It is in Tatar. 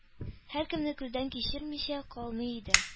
Һәркемне күздән кичермичә калмый иде.